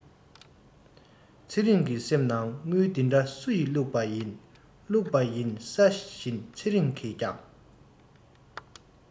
ཚེ རིང གི སེམས ནང དངུལ འདི འདྲ སུ ཡི བླུག པ ཡིན བླུག པ ཡིན ས བཞིན ཚེ རིང གིས ཀྱང